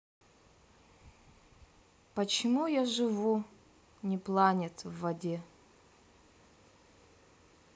почему я живу не planet в воде